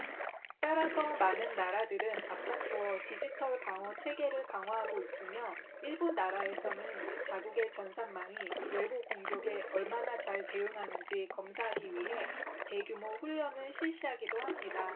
따라서 많은 나라들은 앞다투어 디지털 방어 체계를 강화하고 있으며 일부 나라에서는 자국의 전산망이 외부 공격에 얼마나 잘 대응하는지 검사하기 위해 대규모 훈련을 실시하기도 합니다